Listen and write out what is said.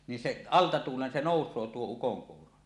niin se alta tuulen se nousee tuo ukonkuuro